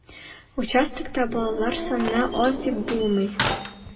Участокта балалар саны аз дип булмый.